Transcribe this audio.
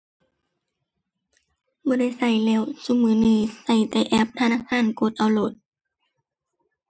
บ่ได้ใช้แล้วซุมื้อนี้ ใช้แต่แอปธนาคาร กดเอาโลด